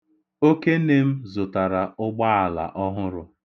Okene m zụtara ụgbaala ọhụrụ.